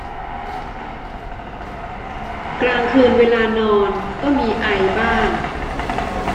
กลางคืนเวลานอนก็มีไอบ้าง